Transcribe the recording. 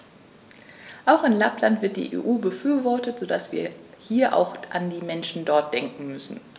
Auch in Lappland wird die EU befürwortet, so dass wir hier auch an die Menschen dort denken müssen.